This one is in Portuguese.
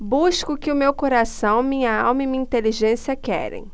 busco o que meu coração minha alma e minha inteligência querem